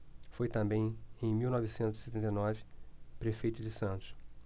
foi também em mil novecentos e setenta e nove prefeito de santos